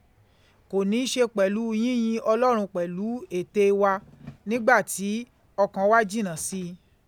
Kò ní í ṣe pẹ̀lú yìnyín Ọlọ́run pẹ̀lú ète wa nígbà tí ọkàn wa jìnnà sí i